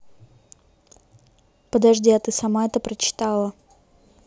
подожди а ты сама это прочитала